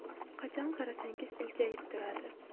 qachon qarasangiz iljayib turadi